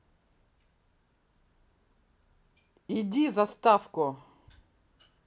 иди заставку